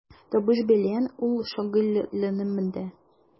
Табыш белән ул шөгыльләнмәде.